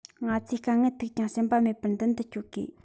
ང ཚོས དཀའ ངལ ཐུག ཀྱང ཞུམ པ མེད པར མདུན དུ སྐྱོད དགོས